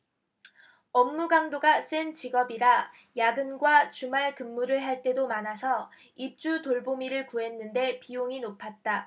업무 강도가 센 직업이라 야근과 주말근무를 할 때도 많아서 입주돌보미를 구했는데 비용이 높았다